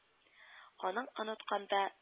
Аның онытканда